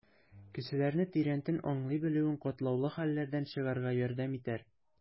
Кешеләрне тирәнтен аңлый белүең катлаулы хәлләрдән чыгарга ярдәм итәр.